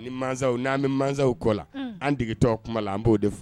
Masaw n'an bɛ masaw kɔ an degetɔ kuma la an b'o de fɔ